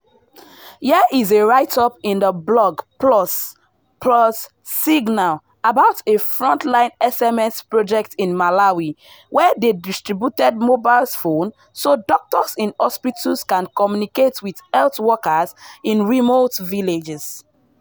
Here is a write up in the blog Pulse + Signal about a FrontlineSMS project in Malawi, where they distributed mobile phones so doctors in hospitals can communicate with health workers in remote villages.